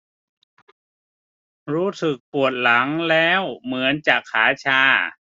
รู้สึกปวดหลังแล้วเหมือนจะขาชา